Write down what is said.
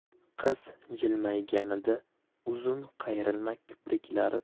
qiz jilmayganida uzun qayrilma kipriklari